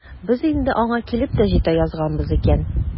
Без инде аңа килеп тә җитә язганбыз икән.